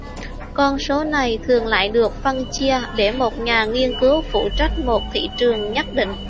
con số này thường lại được phân chia để một nhà nghiên cứu phụ trách một thị trường nhất định